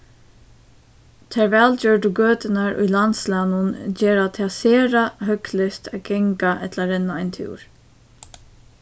tær vælgjørdu gøturnar í landslagnum gera tað sera høgligt at ganga ella renna ein túr